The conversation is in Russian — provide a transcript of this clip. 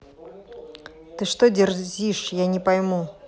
ты что дерзишь я не пойму